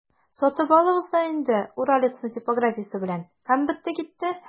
Сатып алыгыз да инде «Уралец»ны типографиясе белән, һәм бетте-китте!